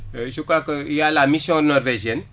je crois que y' a la mission norvégienne